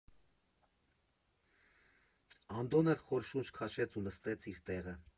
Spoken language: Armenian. Անդոն էլ խոր շունչ քաշեց ու նստեց իր տեղը։